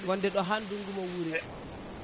wonde ɗo ha ndugngu mo wuuri